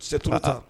Sɛtura